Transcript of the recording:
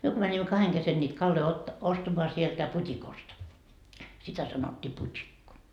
me kun menimme kahden kesken niitä kaloja - ostamaan sieltä putikosta sitä sanottiin putikko